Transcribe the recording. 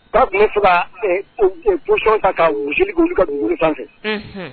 K'a tun bɛ fɛ ka position ka gosili kɛ olu ka dugukolo sanfɛ fɛ.